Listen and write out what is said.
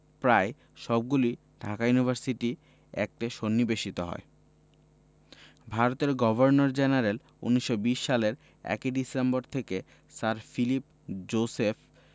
প্রায় সবগুলিই ঢাকা ইউনিভার্সিটি অ্যাক্টে সন্নিবেশিত হয় ভারতের গভর্নর জেনারেল ১৯২০ সালের ১ ই ডিসেম্বর থেকে স্যার ফিলিপ জোসেফ